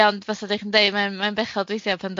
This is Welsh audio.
Ie ond fatha dach chi'n deud mae'n mae'n bechod weithia pan